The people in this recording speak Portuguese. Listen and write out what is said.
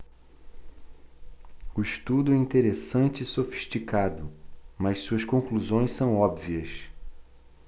o estudo é interessante e sofisticado mas suas conclusões são óbvias